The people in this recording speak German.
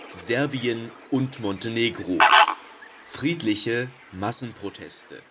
Serbien und Montenegro: Friedliche Massenproteste